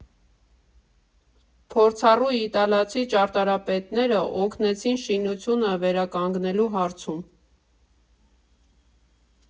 Փորձառու իտալացի ճարտարապետները օգնեցին շինությունը վերականգնելու հարցում։